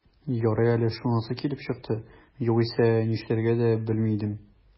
Ярый әле шунысы килеп чыкты, югыйсә, нишләргә дә белми идем...